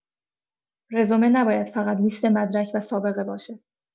رزومه نباید فقط لیست مدرک و سابقه باشه.